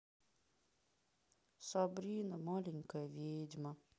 сабрина маленькая ведьма